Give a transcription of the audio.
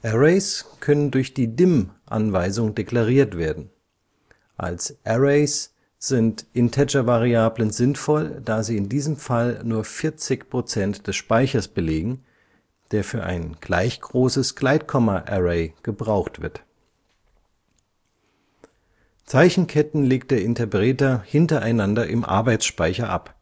Arrays können durch die DIM-Anweisung deklariert werden; als Arrays sind Integervariablen sinnvoll, da sie in diesem Fall nur 40 % des Speichers belegen, der für ein gleich großes Gleitkomma-Array gebraucht wird. Zeichenketten legt der Interpreter hintereinander im Arbeitsspeicher ab